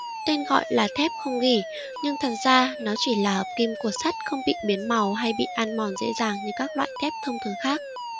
tên gọi là thép không gỉ nhưng thật ra nó chỉ là hợp kim của sắt không bị biến màu hay bị ăn mòn dễ dàng như là các loại thép thông thường khác